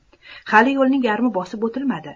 hali yo'lning yarmi bosib o'tilmadi